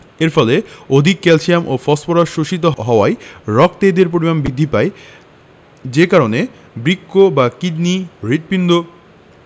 এর ফলে অধিক ক্যালসিয়াম ও ফসফরাস শোষিত হওয়ায় রক্তে এদের পরিমাণ বৃদ্ধি পায় যে কারণে বৃক্ক বা কিডনি হৃৎপিণ্ড